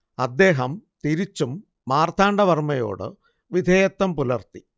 അദ്ദേഹം തിരിച്ചും മാർത്താണ്ഡ വർമ്മയോട് വിധേയത്വം പുലർത്തി